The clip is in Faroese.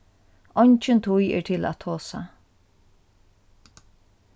eingin tíð er til at tosa